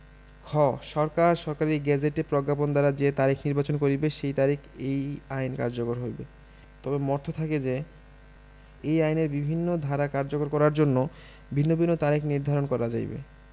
খ সরকার সরকারী গেজেটে প্রজ্ঞাপন দ্বারা যে তারিখ নির্বাচন করিবে সেই তারিখে এই আইন কার্যকর হইবে তবে মর্থ থাকে যে এই আইনের বিভিন্ন ধারা কার্যকর করার জন্য ভিন্ন ভিন্ন তারিখ নির্ধারণ করা যাইবে